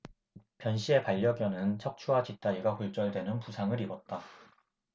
변씨의 반려견은 척추와 뒷다리가 골절되는 부상을 입었다